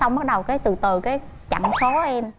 xong bắt đầu cái từ từ cái chặn số em